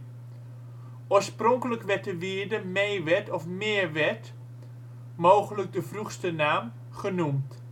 Meerwerd (mogelijk de vroegste naam) genoemd